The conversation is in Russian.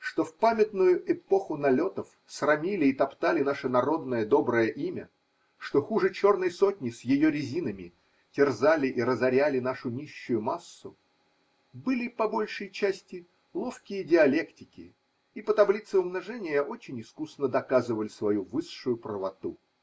что в памятную эпоху налетов срамили и топтали наше народное доброе имя, что хуже черной сотни с ее резинами терзали и разоряли нашу нищую массу, были, по большей части, ловкие диалектики и по таблице умножения очень искусно доказывали свою высшую правоту.